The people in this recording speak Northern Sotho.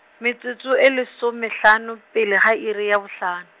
metsotso e lesomehlano, pele ga iri ya bohlano.